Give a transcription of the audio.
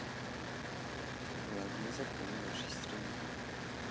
главный закон нашей страны